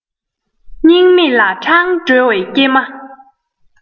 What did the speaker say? སྙིང མེད ལ འཕྲང སྒྲོལ བའི སྐྱེལ མ